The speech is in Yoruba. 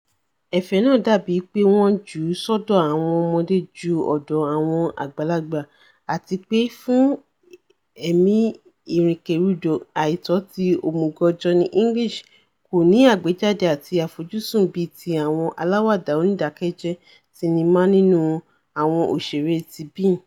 Ẹ̀fẹ náà dàbí pé wọ́n jú u sọ́dọ̀ àwọn ọmọdé jú ọ̀dọ̀ àwọn àgbàlagbà, àtipé fún èmi ìrìnkerindò àìtọ́ tí òmùgọ̀ Johnny English kòní àgbéjáde àti àfojúsùn bíi tí àwọn aláwàdà oníìdákẹ́jẹ́ sinnimá nínú àwọ̀n òṣère ti Bean.